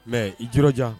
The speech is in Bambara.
Mɛ i jirɔjan